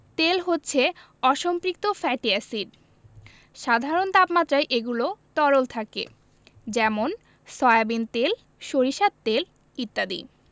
তেল হচ্ছে অসম্পৃক্ত ফ্যাটি এসিড সাধারণ তাপমাত্রায় এগুলো তরল থাকে যেমন সয়াবিন তেল সরিষার তেল ইত্যাদি